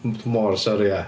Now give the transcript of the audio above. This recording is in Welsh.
Mor sori ia.